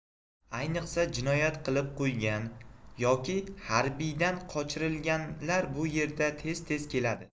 ayniqsa jinoyat qilib qo'ygan yoki harbiydan qochirilganlar bu yerga tez tez keladi